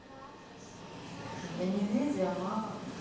я не леди а мама